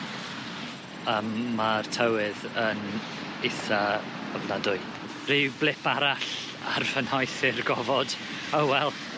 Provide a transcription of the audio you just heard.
Yym ma'r tywydd yn itha ofnadwy. Rhyw blip arall ar fy nhaeth i'r gofod. O wel!